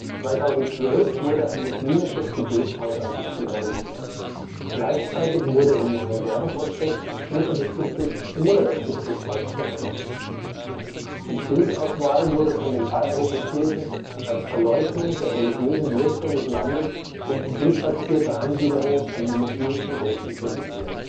2012 wurde ein muslimisches Gebetshaus am Gipfel errichtet. Gleichzeitig wurde im neuen Werbeprospekt ein Foto des Gipfels ohne das Gipfelkreuz veröffentlicht. Die Bildauswahl wurde von den bayerischen Kirchen als Verleugnung der religiösen Wurzeln des Landes und deplatzierte Anbiederung an die muslimischen Gäste kritisiert